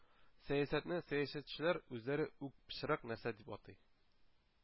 Сәясәтне сәясәтчеләр үзләре үк пычрак нәрсә дип атый.